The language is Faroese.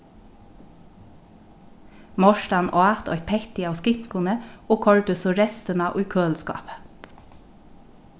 mortan át eitt petti av skinkuni og koyrdi so restina í køliskápið